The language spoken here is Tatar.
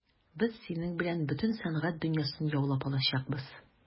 Без синең белән бөтен сәнгать дөньясын яулап алачакбыз.